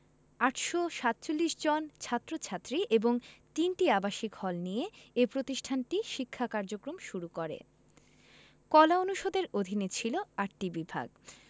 ৮৪৭ জন ছাত্র ছাত্রী এবং ৩টি আবাসিক হল নিয়ে এ প্রতিষ্ঠানটি শিক্ষা কার্যক্রম শুরু করে কলা অনুষদের অধীনে ছিল ৮টি বিভাগ